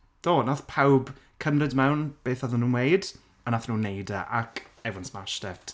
Do, wnaeth pawb cymryd mewn beth oedden nhw'n weud a wnaethon nhw'n wneud e ac everyone smashed it.